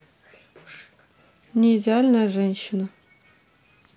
неидеальная женщина